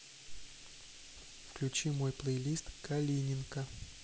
включи мой плей лист калининка